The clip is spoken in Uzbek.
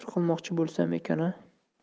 qilmoqchi bo'lsam ekana